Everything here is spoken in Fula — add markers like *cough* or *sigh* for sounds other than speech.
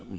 *hesitation* *hesitation*